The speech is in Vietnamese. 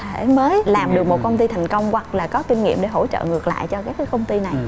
mới làm được một công ty thành công hoặc là có kinh nghiệm để hỗ trợ ngược lại cho các công ty này